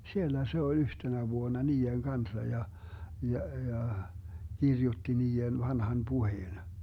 siellä se oli yhtenä vuonna niiden kanssa ja ja ja kirjoitti niiden vanhan puheen